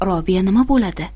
robiya nima bo'ladi